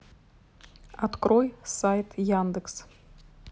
открой сайт яндекс